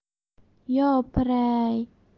yo piray